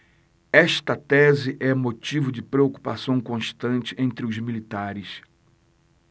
esta tese é motivo de preocupação constante entre os militares